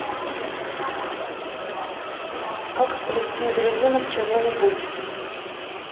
как сплести из резинок чего нибудь